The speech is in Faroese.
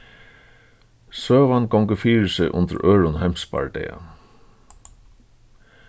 søgan gongur fyri seg undir øðrum heimsbardaga